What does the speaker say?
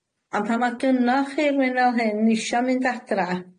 Ond pan ma' gynnoch chi rywun fel hyn isio mynd adra